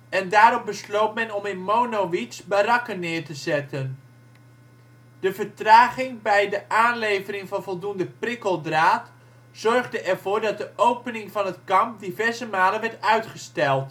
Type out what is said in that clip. en daarop besloot men om in Monowitz barakken neer te zetten. De vertraging bij de aanlevering van voldoende prikkeldraad zorgde ervoor dat de opening van het kamp diverse malen werd uitgesteld. Op